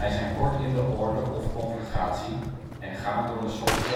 zijn kort in de orde of congregatie en gaan door een soort kennismakingsperiode